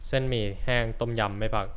เส้นหมี่แห้งต้มยำไม่ผัก